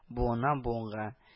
Буыннан-буынга